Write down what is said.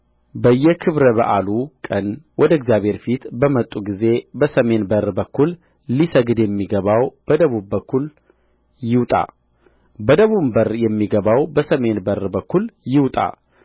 በየክብረ በዓሉ ቀን ወደ እግዚአብሔር ፊት በመጡ ጊዜ በሰሜን በር በኩል ሊሰግድ የሚገባው በደቡብ በር በኩል ይውጣ በደቡብም በር የሚገባው በሰሜን በር በኩል ይውጣ